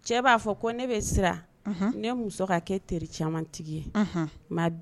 Ye